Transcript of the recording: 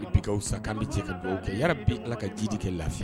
Bi kasa k' bɛ cɛ ka bɔ kɛ yɛrɛ bɛ ala ka ji de kɛ lafi